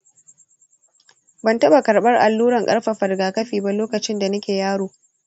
ban taba karɓar alluran ƙarfafa rigakafi ba lokacin da nake yaro.